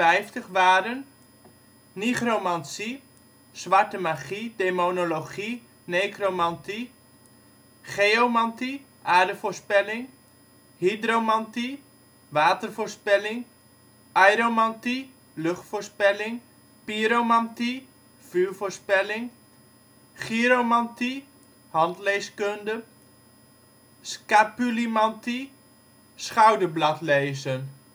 1456 waren: nigromantie (zwarte magie, demonologie, necromantie) geomantie (aardevoorspelling) hydromantie (watervoorspelling) aëromantie (luchtvoorspelling) pyromantie (vuurvoorspelling) chiromantie (handleeskunde) scapulimantie (schouderbladlezen